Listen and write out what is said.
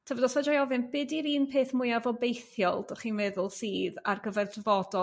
tybed os fedrai ofyn be dy'r un peth mwyaf obeithiol d'chi'n meddwl sydd ar gyfer dyfodol